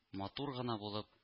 Матур гына булып